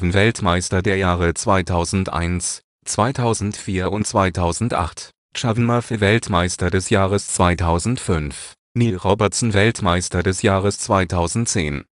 Weltmeister der Jahre 2001, 2004 und 2008 Shaun Murphy – Weltmeister des Jahres 2005 Neil Robertson – Weltmeister des Jahres 2010